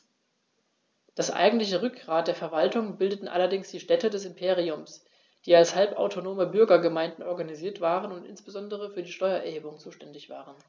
Das eigentliche Rückgrat der Verwaltung bildeten allerdings die Städte des Imperiums, die als halbautonome Bürgergemeinden organisiert waren und insbesondere für die Steuererhebung zuständig waren.